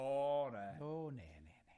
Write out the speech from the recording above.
O, na. O, ne ne ne.